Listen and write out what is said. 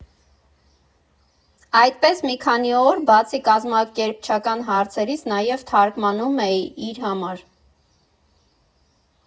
Այդպես, մի քանի օր, բացի կազմակերպչական հարցերից, նաև թարգմանում էի իր համար։